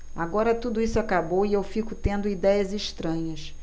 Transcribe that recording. agora tudo isso acabou e eu fico tendo idéias estranhas